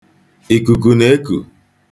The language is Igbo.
Ikuku na-eku.